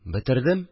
Бетердем